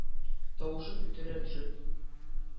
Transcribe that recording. Тавышын күтәрә төшеп: